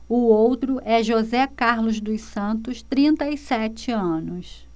o outro é josé carlos dos santos trinta e sete anos